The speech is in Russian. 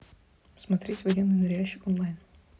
смотреть военный ныряльщик онлайн